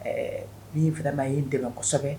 Ɛɛ min fɛ n' a ye dɛmɛsɛbɛ